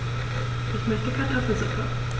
Ich möchte Kartoffelsuppe.